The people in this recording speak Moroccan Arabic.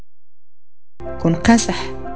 كلامك صح